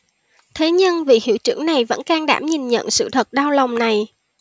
thế nhưng vị hiệu trưởng này vẫn can đảm nhìn nhận sự thật đau lòng này